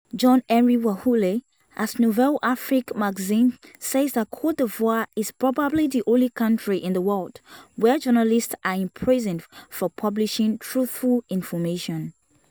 John Henry Kwahulé at Nouvelle Afrique magazine says that Côte d'Ivoire is probably the only country in the world where journalists are imprisoned for publishing truthful information.